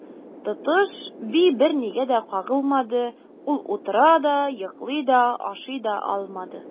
Тотыш би бернигә дә кагылмады, ул утыра да, йоклый да, ашый да алмады.